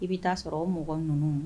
I bɛ taa sɔrɔ o mɔgɔ ninnu